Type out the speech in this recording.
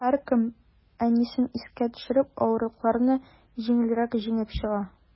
Һәркем, әнисен искә төшереп, авырлыкларны җиңелрәк җиңеп чыга.